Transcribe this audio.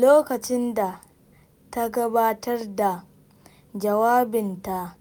Lokacin da ta gabatar da jawabinta